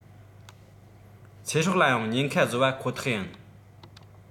ཚེ སྲོག ལའང ཉེན ཁ བཟོ བ ཁོ ཐག ཡིན